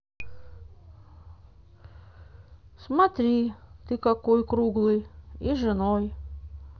смотри ты какой круглый и женой